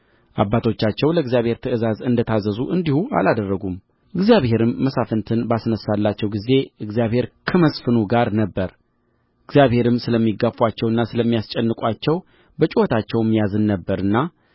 አባቶቻቸው ለእግዚአብሔር ትእዛዝ እንደ ታዘዙ እንዲሁ አላደረጉም እግዚአብሔርም መሳፍንትን ባስነሣላቸው ጊዜ እግዚአብሔር ከመስፍኑ ጋር ነበረ እግዚአብሔርም ስለሚጋፉአቸውና ስለሚያስጨንቋቸው በጩኸታቸው ያዝን ነበርና